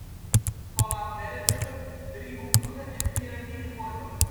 van langwerpige, driehoekige en piramidevormige